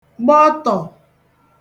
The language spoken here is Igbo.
gbọtọ̀